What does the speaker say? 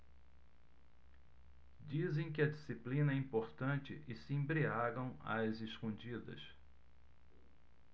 dizem que a disciplina é importante e se embriagam às escondidas